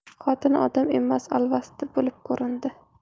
xotini odam emas alvasti bo'lib ko'rindi